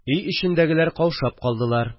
Өй эчендәгеләр каушап калдылар